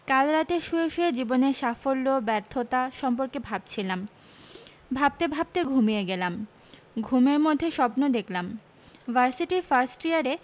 কাল রাতে শুয়ে শুয়ে জীবনের সাফল্য ব্যর্থতা সম্পর্কে ভাবছিলাম ভাবতে ভাবতে ঘুমিয়ে গেলাম ঘুমের মধ্যে স্বপ্ন দেখলাম ভার্সিটির ফার্স্ট ইয়ারে